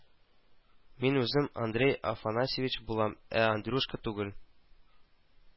Мин үзем Андрей Афанасьевич булам, ә Андрюшка түгел